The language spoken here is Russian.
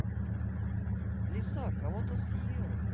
лиса кого то съела